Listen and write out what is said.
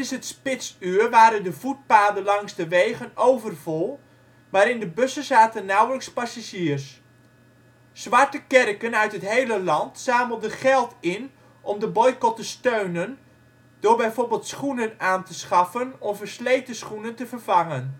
het spitsuur waren de voetpaden langs de wegen overvol, maar in de bussen zaten nauwelijks passagiers. Zwarte kerken uit het hele land zamelden geld in om de boycot te steunen door bijvoorbeeld schoenen aan te schaffen om versleten schoenen te vervangen